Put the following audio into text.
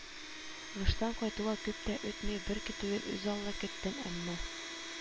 Гыштан кайтуга күп тә үтми, бекөтүен үзаллы көттем, әмма